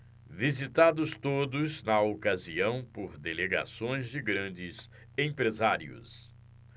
visitados todos na ocasião por delegações de grandes empresários